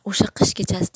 o'sha qish kechasida